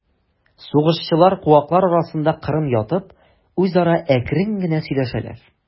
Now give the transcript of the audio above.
Сугышчылар, куаклар арасында кырын ятып, үзара әкрен генә сөйләшәләр.